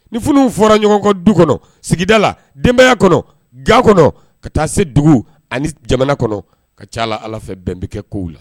Ni funuw fɔra ɲɔgɔn kɔ du kɔnɔ sigida la denbaya kɔnɔ ga kɔnɔ ka taa se dugu ani jamana kɔnɔ ka ca ala fɛ bɛn be kɛ kow la